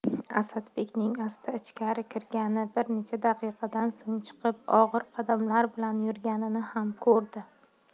asadbekning asta ichkari kirgani bir necha daqiqadan so'ng chiqib og'ir qadamlar bilan yurganini ham ko'rdi